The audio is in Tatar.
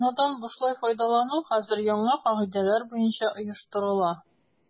Бинадан бушлай файдалану хәзер яңа кагыйдәләр буенча оештырыла.